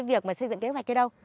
việc mà xây dựng kế hoạch kia đâu